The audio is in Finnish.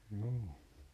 juu